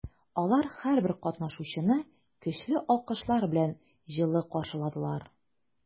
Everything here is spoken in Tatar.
Алар һәрбер катнашучыны көчле алкышлар белән җылы каршыладылар.